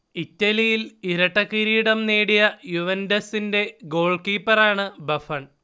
ഇറ്റലിയിൽ ഇരട്ടക്കിരീടം നേടിയ യുവന്റസിന്റെ ഗോൾകീപ്പറാണ് ബഫൺ